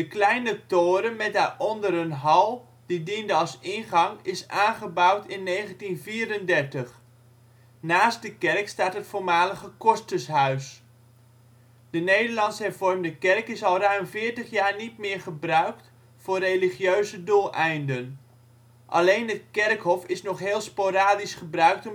kleine toren met daaronder een hal die diende als ingang is aangebouwd in 1934. Naast de kerk staat het voormalige kostershuis. De NH kerk is al ruim 40 jaar niet meer gebruikt voor religieuze doeleinden. Alleen het kerkhof is nog heel sporadisch gebruikt